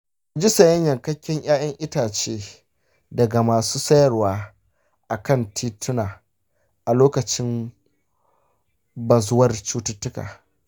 a guji siyan yankakken 'ya'yan itace daga masu sayarwa a kan tituna a lokutan bazuwar cututtuka.